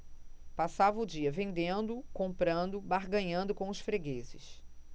passava o dia vendendo comprando barganhando com os fregueses